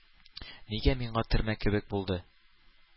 Нигә миңа төрмә кабер булды,